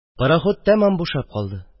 Пароход тамам бушап калды.